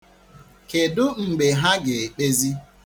Kedụ mgbe ha ga-ekpezi?